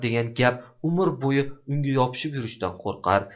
degan gap umr bo'yi unga yopishib qolishidan qo'rqar